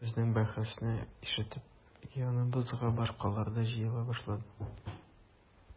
Безнең бәхәсне ишетеп яныбызга башкалар да җыела башлады.